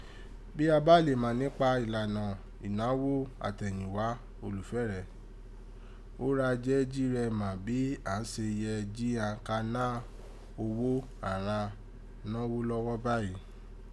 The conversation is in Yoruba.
Bi a bá le mà nipa ìlànà ìnághó àtẹ̀yìnwá olùfẹ́ rẹ, ó ra jé jí rẹ mà bí àn án se ye ji an ka na ogho ghan nọwọ́lọwọ́ báyì.